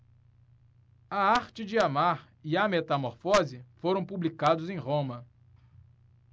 a arte de amar e a metamorfose foram publicadas em roma